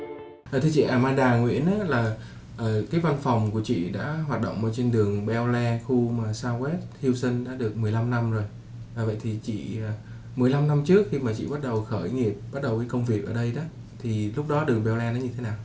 dạ thưa chị a ma đa nguyễn là ở cái văn phòng của chị đã hoạt động trên đường beo la khu mà sao goét thiu sinh đã được mười lăm năm rồi vậy thì chị mười lăm năm trước khi mà chị bắt đầu khởi nghiệp bắt đầu công việc ở đây đó thì lúc đó đường beo la nó như thế nào